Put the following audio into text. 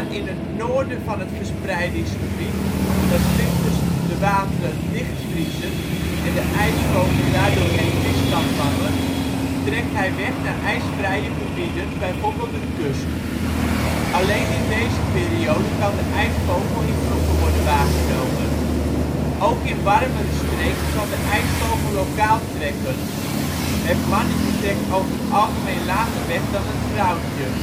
in het noorden van het verspreidingsgebied, waar ' s winters de wateren dichtvriezen en de ijsvogel daardoor geen vis kan vangen, trekt hij weg naar ijsvrije gebieden, bijvoorbeeld de kust. Alleen in deze periode kan de ijsvogel in groepen worden waargenomen. Ook in warmere streken kan de ijsvogel lokaal trekken. Het mannetje trekt over het algemeen later weg dan het vrouwtje